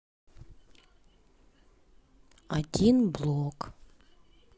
один блок